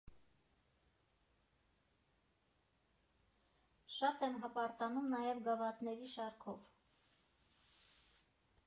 Շատ եմ հպարտանում նաև գավաթների շարքով։